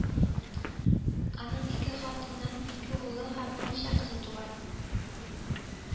Аның ике хатыныннан ике улы һәм берничә кызы туган